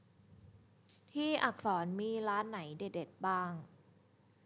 ที่อักษรมีร้านไหนเด็ดเด็ดบ้าง